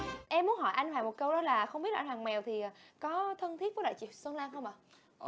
em muốn hỏi anh hoàng một câu đó là không biết là thằng mèo thì có thân thiết với chị xuân lan không ạ